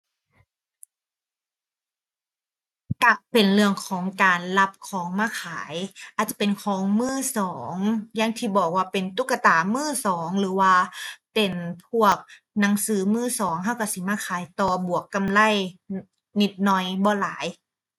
ก็เป็นเรื่องของการรับของมาขาย อาจจะเป็นของมือสอง อย่างที่บอกว่าเป็นตุ๊กตามือสองหรือว่าเป็นพวกหนังสือมือสอง ก็ก็สิมาขายต่อ บวกกำไร นิดหน่อย บ่หลาย